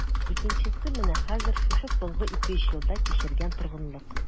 Икенчесе менә хәзер, шушы соңгы ике-өч елда кичергән торгынлык...